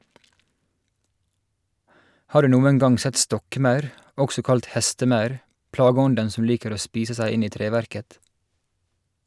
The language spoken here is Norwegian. Har du noen gang sett stokkmaur, også kalt hestemaur, plageånden som liker å spise seg inn i treverket?